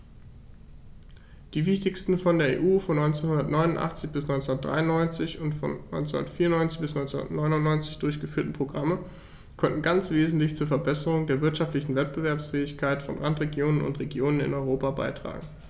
Die wichtigsten von der EU von 1989 bis 1993 und von 1994 bis 1999 durchgeführten Programme konnten ganz wesentlich zur Verbesserung der wirtschaftlichen Wettbewerbsfähigkeit von Randregionen und Regionen in Europa beitragen.